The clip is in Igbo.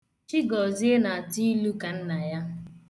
Chigọzie na-atụ ilu ka nna ya.